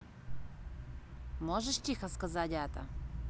можешь тихо сказать это